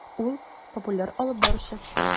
Ул - популяр алып баручы.